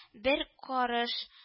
Бер карыш